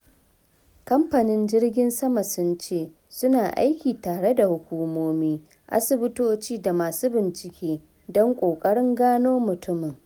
Kamfanin jirgin sama sun ce su na aiki tare da hukumomi, asibitoci da masu bincike don kokarin gano mutumin.